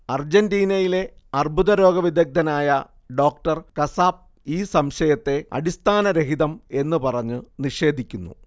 അർജന്റീനിയയിലെ അർബുദരോഗവിദഗ്ദനായ doctor Kasap ഈ സംശയത്തെ അടിസ്ഥാനരഹിതം എന്നു പറഞ്ഞ് നിഷേധിക്കുന്നു